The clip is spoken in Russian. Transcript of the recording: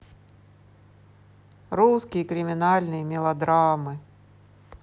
русские криминальные мелодрамы